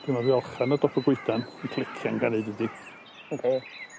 Dwi me'wl fiolchen ar dop goedan yn clician . Yndi.